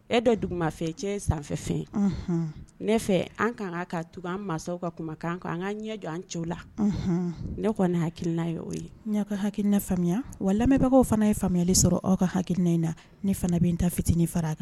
E dɔ duguma fɛ cɛ sanfɛ ne fɛ an ka ka ka tugu an mansaw ka kuma kan an ka ɲɛ jɔ an cɛw la ne kɔni hakiina ye o ye ɲɛka hakiina faamuya wa lamɛnbagaw fana ye faamuyali sɔrɔ aw ka hakiina in na ne fana bɛ n ta fitinin fara a kan